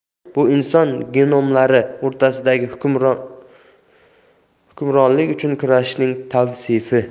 tarix bu inson genomlari o'rtasidagi hukmronlik uchun kurashning tavsifi